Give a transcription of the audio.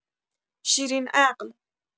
شیرین‌عقل